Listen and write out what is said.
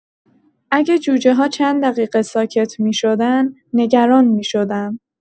اگه جوجه‌ها چند دقیقه ساکت می‌شدن، نگران می‌شدم.